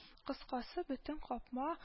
Кыскасы, бөтен капма